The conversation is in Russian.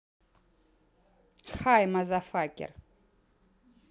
хай мазафакер